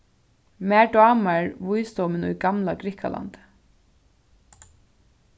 mær dámar vísdómin í gamla grikkalandi